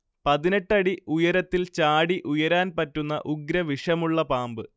പതിനെട്ട് അടിഉയരത്തിൽ ചാടി ഉയരാൻ പറ്റുന്ന ഉഗ്രവിഷമുള്ള പാമ്പ്